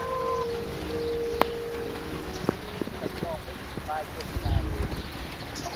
ฉันมองไม่เห็นป้ายโฆษณาเลย